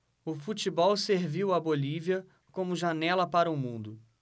o futebol serviu à bolívia como janela para o mundo